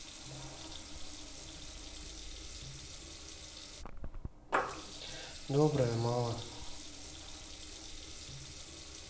доброе мало